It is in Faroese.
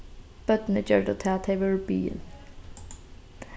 børnini gjørdu tað tey vórðu biðin